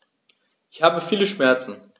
Ich habe viele Schmerzen.